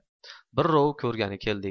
birrov ko'rgani keldik